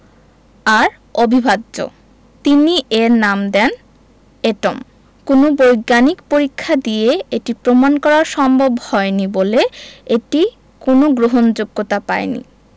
আর অবিভাজ্য তিনি এর নাম দেন এটম কোনো বৈজ্ঞানিক পরীক্ষা দিয়ে এটি প্রমাণ করা সম্ভব হয়নি বলে এটি কোনো গ্রহণযোগ্যতা পায়নি